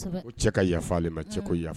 Cɛ ka yafa ma cɛ ko yafa